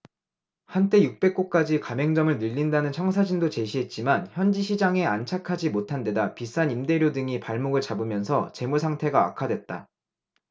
한때 육백 곳까지 가맹점을 늘린다는 청사진도 제시했지만 현지 시장에 안착하지 못한데다 비싼 임대료 등이 발목을 잡으면서 재무상태가 악화됐다